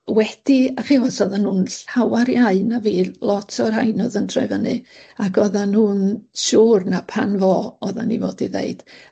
wedi a chi'n wbod s- oddan nw'n llawar iau na fi, lot o'r rhain o'dd yn troi fyny. Ac oddan nw'n siŵr na pan fo oddan ni fod i ddeud.